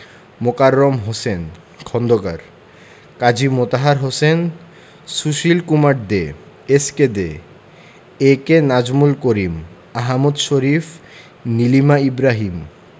Mokarram Hossain Khandakar Kazi Motahar Hossain Sushil Kumar De S K De A K Nazmul Karim Ahmed Sharif Nilima Ibrahim